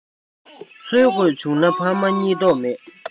འཚོལ དགོས བྱུང ན ཕ མ རྙེད མདོག མེད